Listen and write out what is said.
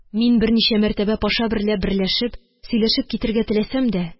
Мин берничә мәртәбә Паша берлә берләшеп, сөйләшеп китәргә теләсәм дә